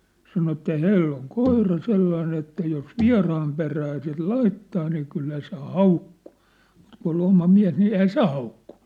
sanoi että hänellä on koira sellainen että jos vieraan perään sitten laittaa niin kyllä se haukkuu mutta kun oli oma mies niin eihän se haukkunut